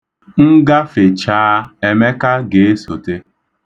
M gafechaa, Emeka ga-esote.